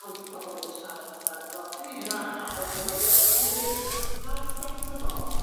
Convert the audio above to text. Ond 'di pobol ddim yn siarad amdano fo. O ni yn! Ma' 'na elfen o risg cymryd paracetamol.